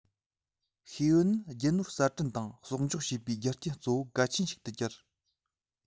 ཤེས ཡོན ནི རྒྱུ ནོར གསར སྐྲུན དང གསོག འཇོག བྱེད པའི རྒྱུ རྐྱེན གཙོ བོ གལ ཆེན ཞིག ཏུ གྱུར